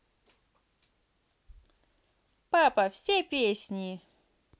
папа все песни